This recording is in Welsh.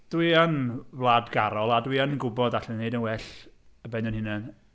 Dwi yn wladgarol a dwi yn gwbod allen ni wneud yn well ar ben ein hunain.